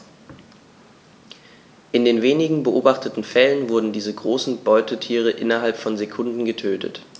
In den wenigen beobachteten Fällen wurden diese großen Beutetiere innerhalb von Sekunden getötet.